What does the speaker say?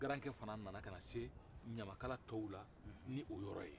garankɛ fɛnɛ nana ka na se tɔw la n'o yɔrɔ ye